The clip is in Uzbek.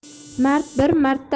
mard bir marta